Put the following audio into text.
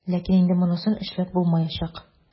Ләкин инде монысын эшләп булмаячак.